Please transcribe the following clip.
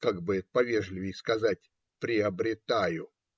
как бы это повежливее сказать. приобретаю?